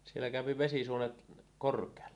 siellä käy vesisuonet korkealla